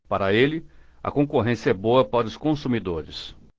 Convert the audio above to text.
para ele a concorrência é boa para os consumidores